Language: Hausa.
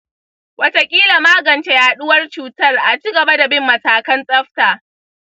watakila magance yaduwar cutar; a cigaba da bin matakan tsafta.